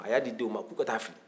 a y' di denw ma k'u ka taa a fili